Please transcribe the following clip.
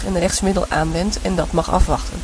rechtsmiddel aanwendt en dat mag afwachten